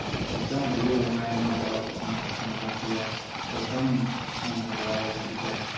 Кайчан юл уңаена бара торган машинада килә, кайчан чаңгыда элдертә.